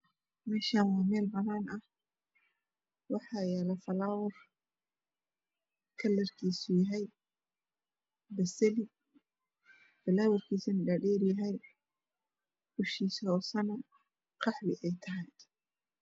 Mashan waa mel banan ah wax yalo falawar kalar kisi yahay baseli ushees eey tahay qahwi